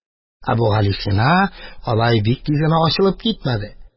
Әбүгалисина алай бик тиз генә ачылып китмәде.